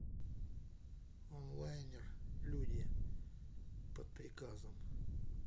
онлайнер люди под приказом